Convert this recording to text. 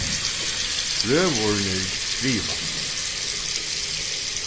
brøðurnir skriva